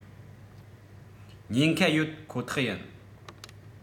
ཉན ཁ ཡོད ཁོ ཐག ཡིན